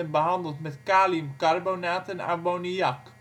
behandeld met kaliumcarbonaat en ammoniak